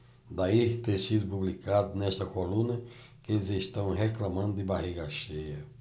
daí ter sido publicado nesta coluna que eles reclamando de barriga cheia